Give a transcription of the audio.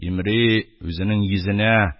Тимри, үзенең йөзенә